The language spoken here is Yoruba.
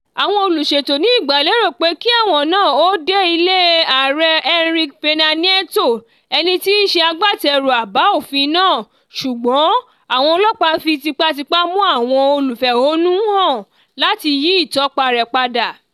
Àwọn olúṣètò ní ìgbàlérò pé kí ẹ̀wọ̀n náà ó dé ilé Ààrẹ Enrique Pena Nieto, ẹni tí í ṣe agbátẹrù àbá òfin náà, ṣùgbọ́n àwọn ọlọ́pàá fi tipátipá mú àwọn olúfẹ̀hónú hàn láti yí ìtọpa rẹ̀ padà.